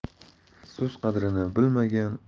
so'z qadrini bilmagan